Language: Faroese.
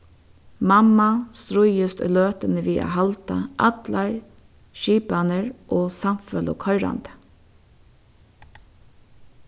mamman stríðist í løtuni við at halda allar skipanir og samfeløg koyrandi